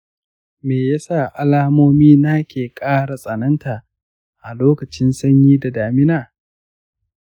me yasa alamomina ke ƙara tsananta a lokacin sanyi da damina?